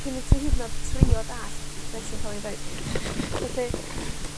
cyn i ti hyd yn o'd trio dallt be' sy'n ca'l 'i ddeud. Felly,